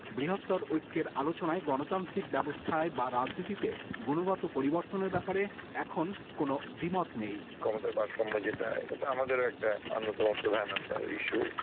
বৃহত্তর ঐক্যের আলোচনায় গণতান্ত্রিক ব্যবস্থা এবার রাজনীতিতে গুণগত পরিবর্তন এর ব্যাপারে এখন কোন দ্বিমত নেই ক্ষমতার ভারসাম্য যেটা এটা তো আমাদেরও অন্যতম প্রধান ইস্যু